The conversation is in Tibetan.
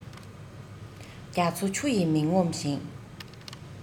རྒྱ མཚོ ཆུ ཡིས མི ངོམས ཤིང